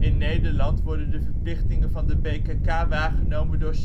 Nederland worden de verplichtingen van de BKK waargenomen door